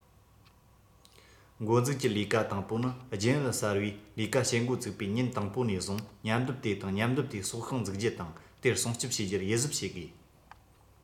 འགོ འཛུགས ཀྱི ལས ཀ དང པོ ནི རྒྱུན ཨུད གསར པས ལས ཀ བྱེད འགོ བཙུགས པའི ཉིན དང པོ ནས བཟུང མཉམ སྡེབ དེ དང མཉམ སྡེབ དེའི སྲོག ཤིང འཛུགས རྒྱུ དང དེར སྲུང སྐྱོང བྱེད རྒྱུར ཡིད གཟབ བྱེད དགོས